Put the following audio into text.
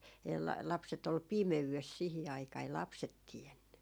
- lapset oli pimeydessä siihen aikaan ei lapset tiennyt